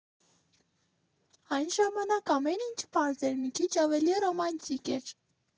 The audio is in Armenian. Այն ժամանակ ամեն ինչ պարզ էր, մի քիչ ավելի ռոմանտիկ էր։